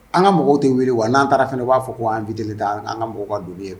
An ka mɔgɔw tɛ wili wa n'an taara fana de b'a fɔ ko an bi delieli an an ka mɔgɔw ka dumuni ye